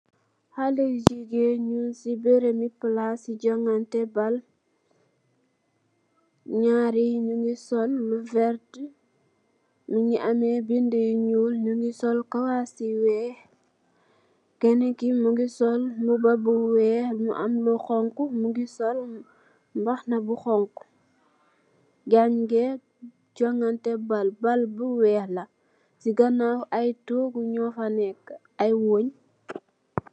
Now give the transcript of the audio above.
Xale yu jigeen nyun si berembi palaci joganteh baal naari yi nyugi sol lu vertah nyugi ameh beda yu nuul nyugi sol kawas yu weex kena ki mogi sol mbuba bu weex mu am lu xonxu mogi sol mbahana bu xonxu gaay nyu geh joganteh baal baal bu weex la si ganaw ay togu nyufa neka ay weng.